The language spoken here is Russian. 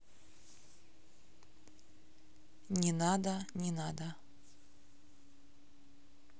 не надо не надо